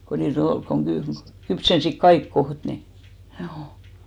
kun niitä oli kun - kypsensivät kaikki kohta niin juu